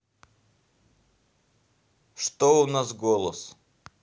что у нас голос